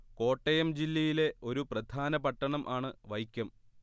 കോട്ടയം ജില്ലയിലെ ഒരു പ്രധാന പട്ടണം ആണ് വൈക്കം